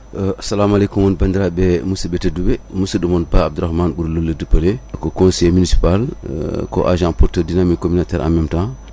assalamu aleykum bandirɓe musidɓe tedduɓe musidɗo moon pa Abdourahmane ɓurɗo lolirde dippelé ko conseillé municipal ko agent porteur dynamique communautaire en même temps